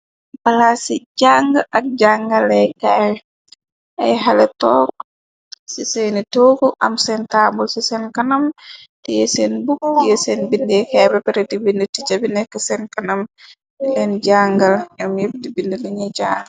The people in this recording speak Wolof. Bala ci jang ak jangalekaay ay xale toog ci seeni toogu am seen taabul ci seen kanam te yeseen buk yeseen bindekaay preparatibind ti cabi nekk seen kanam ileen jangal yam yépp di bind lañuy jaan.